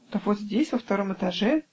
-- "Да вот здесь, во втором этаже.